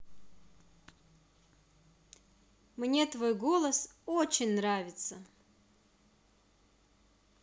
мне твой голос очень нравится